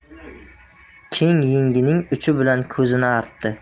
keng yengining uchi bilan ko'zini artdi